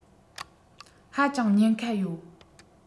ཧ ཅང ཉེན ཁ ཡོད